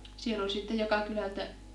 siellä oli sitten joka kylältä